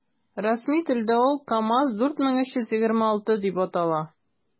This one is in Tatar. Рәсми телдә ул “КамАЗ- 4326” дип атала.